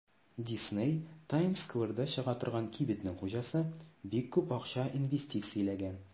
Дисней (Таймс-скверга чыга торган кибетнең хуҗасы) бик күп акча инвестицияләгән.